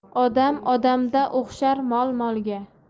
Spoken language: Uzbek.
odam odamga o'xshar mol molga